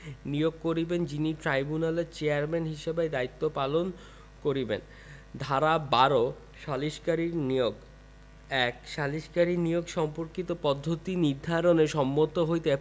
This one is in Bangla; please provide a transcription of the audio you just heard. নিয়োগ করিবেন যিনি ট্রাইব্যুনালের চেয়ারম্যান হিসাবে দায়িত্ব পালন করিবেন ধারা ১২ সালিসকারী নিয়োগঃ ১ সালিসকারী নিয়োগ সম্পর্কিত পদ্ধতি নির্ধারণে সম্মত হইতে